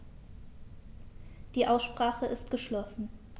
Die Aussprache ist geschlossen.